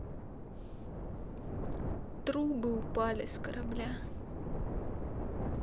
трубы упали с корабля